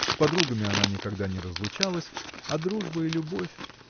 с подругами она никогда не разлучалась, а дружба и любовь.